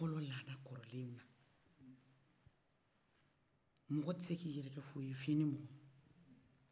fɔlɔ lada kɔrɔlenw na mɔgɔ te se ka i yɛrɛ kɛ foyi fo ini mɔgɔw